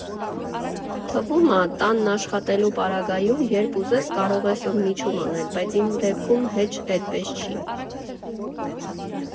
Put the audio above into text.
Թվում ա՝ տանն աշխատելու պարագայում, երբ ուզես, կարող ես ընդմիջում անել, բայց իմ դեպքում հեչ էդպես չի։